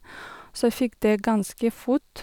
Så fikk det ganske fort.